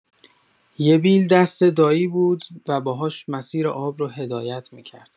یه بیل دست دایی بود و باهاش مسیر آب رو هدایت می‌کرد.